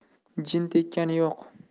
jin tekkani yo'q